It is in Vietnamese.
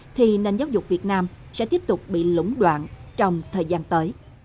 thì nền giáo dục việt nam sẽ tiếp tục bị lũng đoạn trong thời gian tới